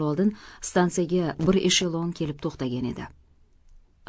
oldin stansiyaga bir eshelon kelib to'xtagan edi